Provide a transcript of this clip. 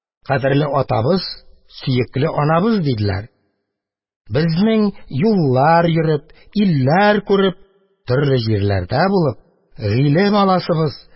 Кадерле атабыз, сөекле анабыз, – диделәр, – безнең юллар йөреп, илләр күреп, төрле җирләрдә булып, гыйлем аласыбыз